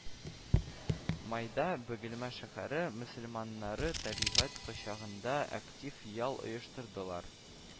Майда бөгелмә шәһәре мөселманнары табигать кочагында актив ял оештырдылар